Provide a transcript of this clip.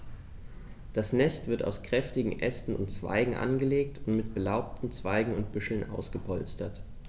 Das Nest wird aus kräftigen Ästen und Zweigen angelegt und mit belaubten Zweigen und Büscheln ausgepolstert.